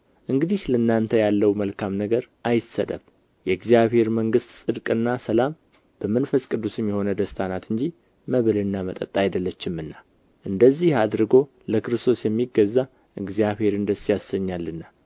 እንግዲህ ለእናንተ ያለው መልካም ነገር አይሰደብ የእግዚአብሔር መንግሥት ጽድቅና ሰላም በመንፈስ ቅዱስም የሆነ ደስታ ናት እንጂ መብልና መጠጥ አይደለችምና እንደዚህ አድርጎ ለክርስቶስ የሚገዛ እግዚአብሔርን ደስ ያሰኛልና